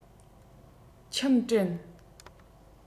ཁྱིམ དྲན